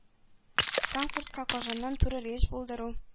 Франкфуртка Казаннан туры рейс булдыру